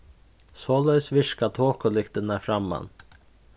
soleiðis virka tokulyktirnar framman